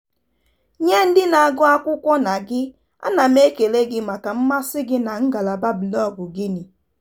Nye ndị na-agụ akwụkwọ na gị, ana m ekele gị maka mmasị gị na ngaalaba blọọgụ Guinea.